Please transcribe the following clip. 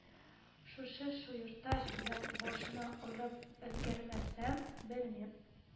Шушы чуерташ белән башына орып өлгермәсәм, белмим,